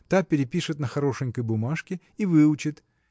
та перепишет на хорошенькой бумажке и выучит